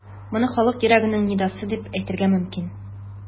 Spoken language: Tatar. Моны халык йөрәгенең нидасы дип әйтергә мөмкин.